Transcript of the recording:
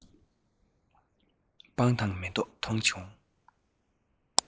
སྤང དང མེ ཏོག མཐོང བྱུང